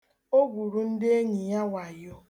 O gwuru ndị enyi ya wayo.